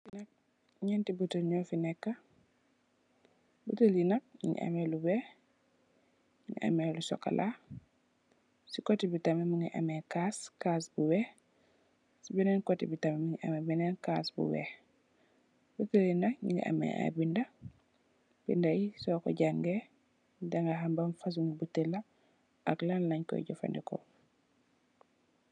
Nyenti butell nyofi neka butell li nak nyungi ameh lu weih nyungi ameh lu sokola sey koteh bi tamit Mungi ameh kass, kass bu weih sey benen koteh bi tamit Mungi ameh benen kass bu weih butelli nak nyungi ameh i binda, bindai soko jangeh danga ham ban fosum butella ak lan lenjko jefandeko.